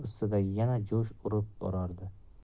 ustida yana jo'sh urib borardi